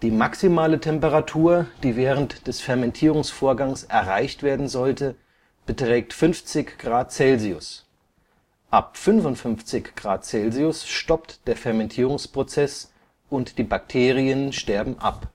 maximale Temperatur, die während des Fermentierungsvorgangs erreicht werden sollte, beträgt 50 °C, ab 55 °C stoppt der Fermentierungsprozess und die Bakterien sterben ab